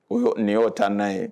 O nin y' ta n'a ye